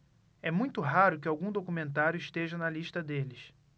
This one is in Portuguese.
é muito raro que algum documentário esteja na lista deles